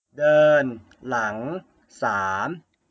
เดินหลังสาม